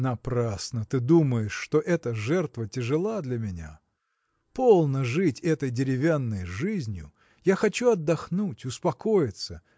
– Напрасно ты думаешь, что эта жертва тяжела для меня. Полно жить этой деревянной жизнью! Я хочу отдохнуть, успокоиться